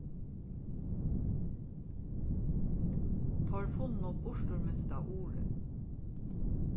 teir funnu burturmista urið